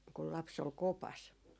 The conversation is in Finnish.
kun lapsi oli kopassa